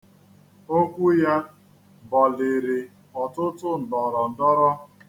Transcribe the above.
Okwu ya bọliri ọtụtụ ndọrọndọrọ.